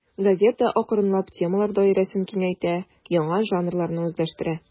Газета акрынлап темалар даирәсен киңәйтә, яңа жанрларны үзләштерә.